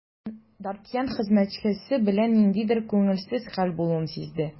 Д’Артаньян хезмәтчесе белән ниндидер күңелсез хәл булуын сизде.